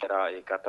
Ka taa